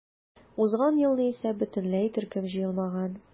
Узган елны исә бөтенләй төркем җыелмаган.